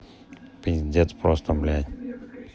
пиздец просто блядь